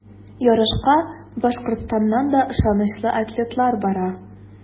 Ярышка Башкортстаннан да ышанычлы атлетлар бара.